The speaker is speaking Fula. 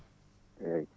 eyyi